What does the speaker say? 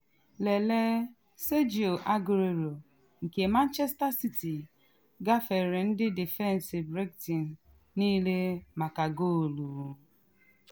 Lelee: Sergio Aguero nke Manchester City gafere ndị defensị Brighton niile maka goolu